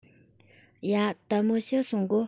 ཡ དལ མོ བྱོས སོང གོ